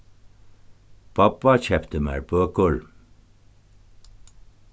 babba keypti mær bøkur